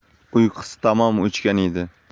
uyqusi tamom o'chgan edi